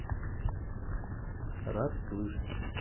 рад слышать